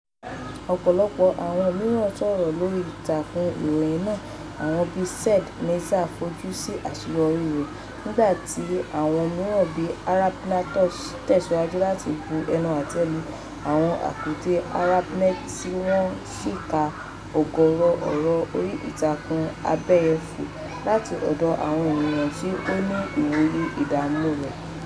Ọ̀pọ̀lọpọ̀ àwọn mìíràn sọ̀rọ̀ lórí ìtàkùn ìròyìn náà: àwọn bíi Ziad Nasser fojú sí àṣeyọrí rẹ̀, nígbà tí àwọn mìíràn bíi Arabinator tẹ̀síwájú láti máa bu ẹnu àtẹ́ lu àwọn àkùdé Arabnet tí wọ́n sì kà ọ̀gọ̀ọ̀rọ̀ ọ̀rọ̀ orí ìtàkùn abẹ́yẹfò[ar] láti ọ̀dọ àwọn ènìyàn tí ó ní ìwòye ìdààmú rẹ̀.